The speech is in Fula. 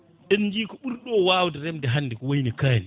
en jii ko ɓuuriɗo wawde remde hande ko wayni kaani